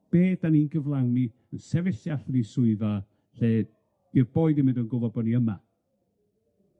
Be' 'dan ni'n gyflawni, sefyll tu allan i swyddfa lle dyw'r boi ddim 'yd yn o'd yn gwbod bo' ni yma.